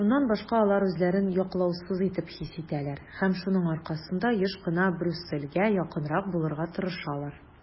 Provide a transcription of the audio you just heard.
Шуннан башка алар үзләрен яклаусыз итеп хис итәләр һәм шуның аркасында еш кына Брюссельгә якынрак булырга тырышалар.